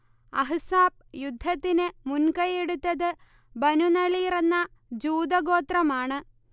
അഹ്സാബ് യുദ്ധത്തിന് മുൻകൈയ്യെടുത്തത് ബനുനളീർ എന്ന ജൂതഗോത്രമാണ്